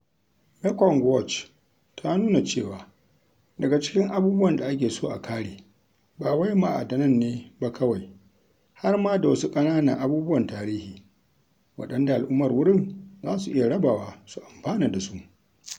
Mekong Watch ta nuna cewa daga cikin abubuwan da ake so a kare ba wai ma'adanan ne ba kawai, har ma da "wasu ƙananan abubuwan tarihi" waɗanda al'ummar wurin za su iya rabawa su amfana da su.